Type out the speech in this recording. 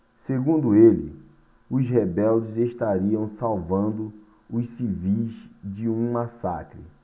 segundo ele os rebeldes estariam salvando os civis de um massacre